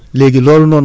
dana nàmpal